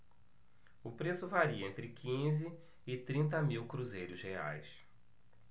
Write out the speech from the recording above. o preço varia entre quinze e trinta mil cruzeiros reais